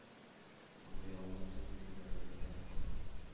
Алдый алмас мине түбән ләззәт,